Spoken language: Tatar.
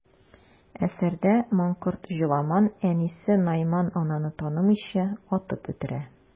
Әсәрдә манкорт Җоламан әнисе Найман ананы танымыйча, атып үтерә.